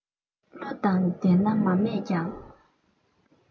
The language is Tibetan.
བློ དང ལྡན ན མ སྨྲས ཀྱང